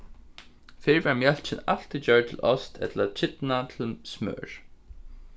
fyrr var mjólkin altíð gjørd til ost ella kirnað til smør